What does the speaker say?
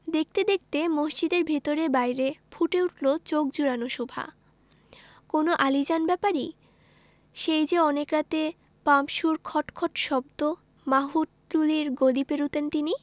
দেখতে দেখতে মসজিদের ভেতরে বাইরে ফুটে উঠলো চোখ জুড়োনো শোভা কোন আলীজান ব্যাপারী সেই যে অনেক রাতে পাম্পসুর খট খট শব্দ মাহুতটুলির গলি পেরুতেন তিনি